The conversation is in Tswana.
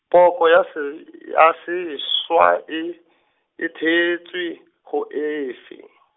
poko ya se , ya seswa e, e theetswe, go efe?